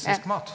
ja.